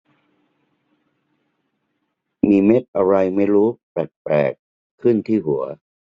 มีเม็ดอะไรไม่รู้แปลกแปลกขึ้นที่หัว